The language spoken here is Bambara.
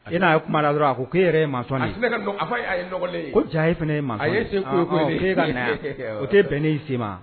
I n'a ye kuma dɔrɔn a ko' e yɛrɛ fana ma a o tɛ bɛn' si ma